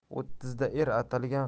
o'ttizida er atangan